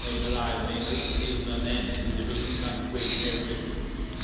neu yn yr ail neu 'y' yn oe-... Hyd yn oed yn ennill wedyn bydd hwnna'n gweddnewid